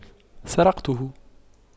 سرقته